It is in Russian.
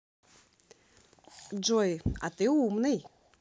джой а ты умный